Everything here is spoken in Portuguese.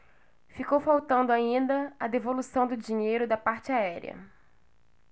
ficou faltando ainda a devolução do dinheiro da parte aérea